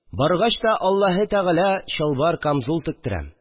Баргач та, аллаһе теләсә, чалбар, камзул тектерәм